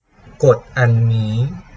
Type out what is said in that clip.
กดอันนี้